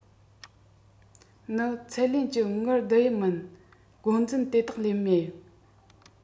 ནི ཚད ལེན གྱི དངུལ བསྡུ ཡི མིན སྒོ འཛིན དེ དག ལས མེད